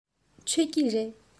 མཆོད ཀྱི རེད